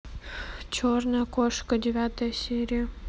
черная кошка девятая серия